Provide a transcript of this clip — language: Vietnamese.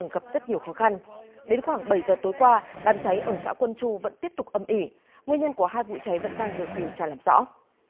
gặp rất nhiều khó khăn đến khoảng bảy giờ tối qua đám cháy ở xã quân chu vẫn tiếp tục âm ỉ nguyên nhân của hai vụ cháy vẫn đang được điều tra làm rõ